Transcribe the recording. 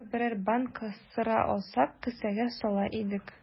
Әгәр берәр банка сыра алсак, кесәгә сала идек.